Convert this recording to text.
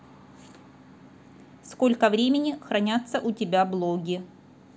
сколько времени хранятся у тебя блоги